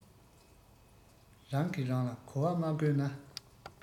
རང གི རང ལ གོ བ མ བསྐོན ན